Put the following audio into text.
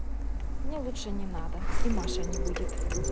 мне лучше не надо и маша не будет